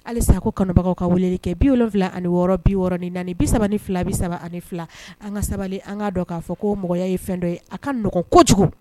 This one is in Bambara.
Halisa ko kanubagaw ka weleli kɛ bi wolonwula ani wɔɔrɔ biɔrɔn ni naani bi saba ni fila bi saba ani fila an ka sabali an ka don k'a fɔ ko mɔgɔya ye fɛn dɔ ye a ka nɔgɔn kojugu